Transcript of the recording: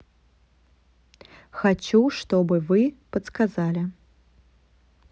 хочу чтобы вы подсказали